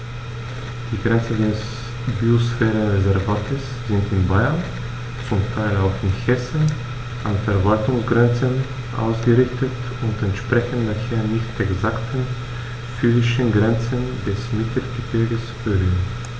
Die Grenzen des Biosphärenreservates sind in Bayern, zum Teil auch in Hessen, an Verwaltungsgrenzen ausgerichtet und entsprechen daher nicht exakten physischen Grenzen des Mittelgebirges Rhön.